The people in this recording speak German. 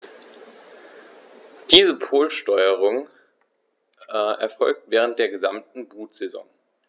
Diese Polsterung erfolgt während der gesamten Brutsaison.